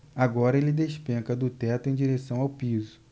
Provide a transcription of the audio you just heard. agora ele despenca do teto em direção ao piso